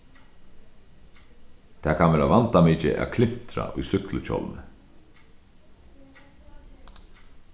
tað kann vera vandamikið at klintra í súkkluhjálmi